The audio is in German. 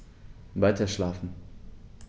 Weiterschlafen.